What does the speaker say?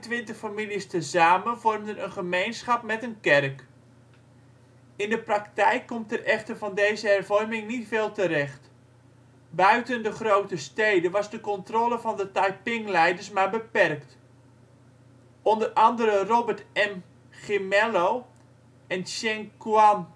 25 families tezamen vormden een gemeenschap met een kerk. In de praktijk komt er echter van deze hervorming niet veel terecht. Buiten de grote steden was de controle van de Taiping-leiders maar beperkt. Onder andere Robert M. Gimello in Ch'eng-kuan